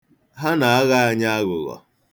Ha na-aghọ anyị aghụghọ.